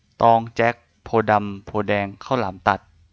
ตองแจ็คโพธิ์ดำโพธิ์แดงข้าวหลามตัด